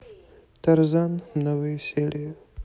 тарзан новые серии